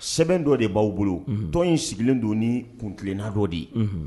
Sɛbɛn dɔ de b'aaw bolo dɔ in sigilen don ni kuntina dɔ de ye